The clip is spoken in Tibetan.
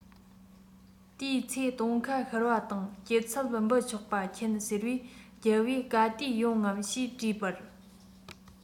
དུས ཚེ སྟོན ཁ ཤར བ དང སྐྱིད ཚབ འབུལ ཆོག པ མཁྱེན ཟེར བས རྒྱལ པོས ག དུས ཡོང ངམ ཞེས དྲིས པར